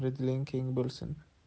mehri diling keng bo'lsin